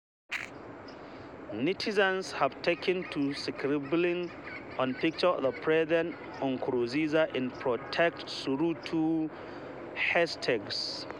Netizens have taken to scribbling on pictures of President Nkurunziza in protest through two hashtags